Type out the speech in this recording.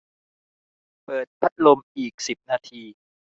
เปิดพัดลมอีกสิบนาที